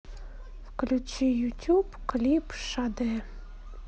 включи ютуб клип шаде